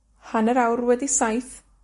hanner awr wedi saith,